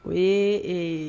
U ye ee